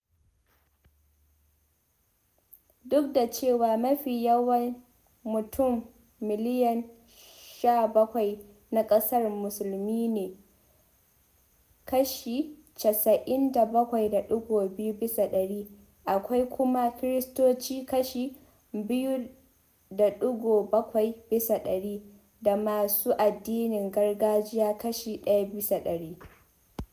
Duk da cewa mafi yawan mutum miliyan 17 na ƙasar Musulmi ne(kashi 97.2 bisa ɗari), akwai kuma Kiristoci (kashi 2.7 bisa ɗari) da masu addinin gargajiya (kashi 1 bisa ɗari).